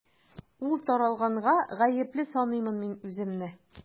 Ул таралганга гаепле саныймын мин үземне.